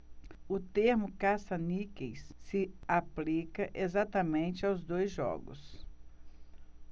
o termo caça-níqueis se aplica exatamente aos dois jogos